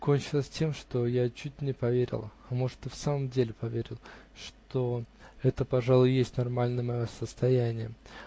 Кончилось тем, что я чуть не поверил (а может, и в самом деле поверил), что это, пожалуй, и есть нормальное мое состояние.